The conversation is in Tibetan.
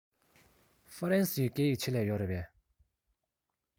ཧྥ རན སིའི སྐད ཡིག ཆེད ལས ཡོད རེད པས